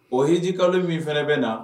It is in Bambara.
O heji kalo min fana bɛ na